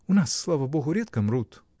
У нас, слава Богу, редко мрут.